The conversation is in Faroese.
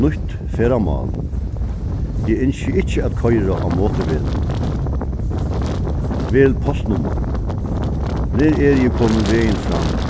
nýtt ferðamál eg ynski ikki at koyra á motorvegnum vel postnummar nær eri eg komin vegin fram